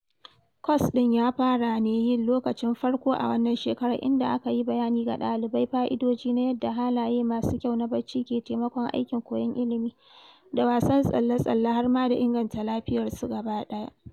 Kwas ɗin ya fara ne yin lokacin farko a wannan shekarar, inda aka yi bayani ga dalibai fa’idoji na yadda halaye masu kyau na barci ke taimakon aikin koyon ilimi da wasan tsalle-tsalle, har ma da inganta lafiyarsu gaba ɗaya.